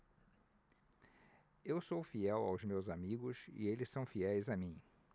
eu sou fiel aos meus amigos e eles são fiéis a mim